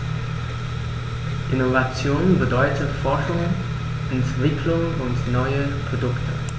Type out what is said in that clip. Innovation bedeutet Forschung, Entwicklung und neue Produkte.